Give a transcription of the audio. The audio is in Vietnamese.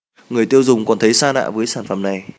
người tiêu dùng còn thấy xa lạ với sản phẩm này